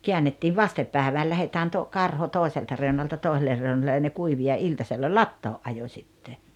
käännettiin vasten päivään lähdetään - karho toiselta reunalta toiselle reunalle ja ne kuivui ja iltasella latoon ajoi sitten